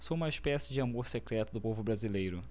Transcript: sou uma espécie de amor secreto do povo brasileiro